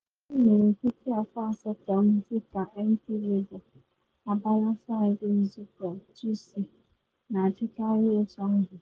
N’imirikiti afọ asatọ m dịka MP Labour, abalị Fraịde nzụkọ GC na adịkarị otu ahụ.